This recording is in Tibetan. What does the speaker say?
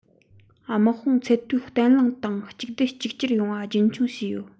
དམག དཔུང ཚད མཐོའི བརྟན ལྷིང དང གཅིག སྡུད གཅིག གྱུར ཡོང བ རྒྱུན འཁྱོངས བྱས ཡོད